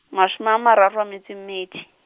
mashome a mararo a metso e mmedi.